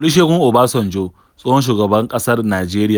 Olusegun Obasanjo, tsohon shugaban ƙasar Najeriya.